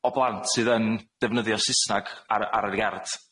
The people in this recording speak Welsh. o blant sydd yn defnyddio'r Susnag ar y- ar yr iard.